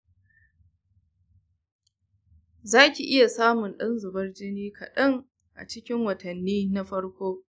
za ki iya samun ɗan zubar jini kaɗan a cikin watanni na farko.